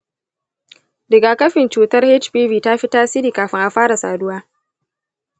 rigakafin cutar hpv ta fi tasiri kafin a fara saduwa.